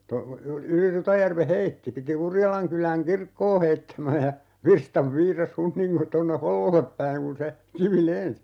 - yli Rutajärven heitti piti Urjalankylän kirkkoa heittämän ja virstan viirasi - tuonne Hollolle päin kun se kivi lensi